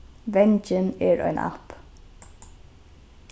vangin er ein app